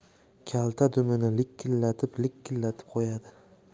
kalta dumini likillatib likillatib qo'yadi